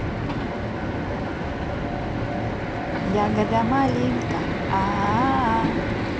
ягода малинка ааа